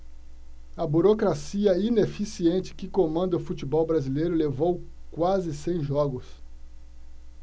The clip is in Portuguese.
a burocracia ineficiente que comanda o futebol brasileiro levou quase cem jogos